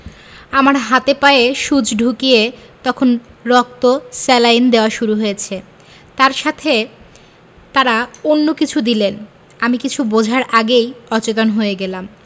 আমার হাতে পায়ে সুচ ঢুকিয়ে তখন রক্ত স্যালাইন দেওয়া শুরু হয়েছে তার সাথে তারা অন্য কিছু দিলেন আমি কিছু বোঝার আগে অচেতন হয়ে গেলাম